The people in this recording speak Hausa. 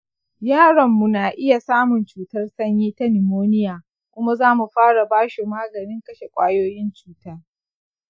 yaronmu na iya samun cutar sanyi ta nimoniya kuma zamu fara basho maganin kashe ƙwayoyin cuta.